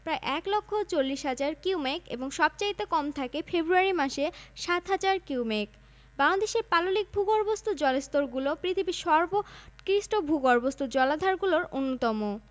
পেশাজীবী কারিগরঃ আর্টিসেন্স কামার কুমার তাঁতি দর্জি ময়রা সূত্রধর সুতার কলু তেলী কাঁসারু শাঁখারি স্বর্ণকার ঘরামি করাতি পাটিয়াল